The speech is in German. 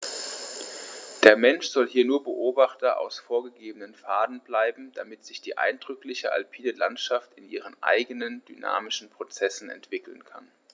Der Mensch soll hier nur Beobachter auf vorgegebenen Pfaden bleiben, damit sich die eindrückliche alpine Landschaft in ihren eigenen dynamischen Prozessen entwickeln kann.